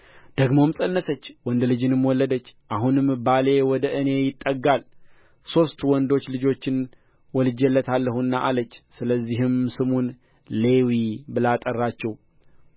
ደግሞም ፀነሰች ወንድ ልጅንም ወለደች አሁንም ባሌ ወደ እኔ ይጠጋል ሦስት ወንዶች ልጆችን ወልጄለታለሁና አለች ስለዚህም ስሙን ሌዊ ብላ ጠራችው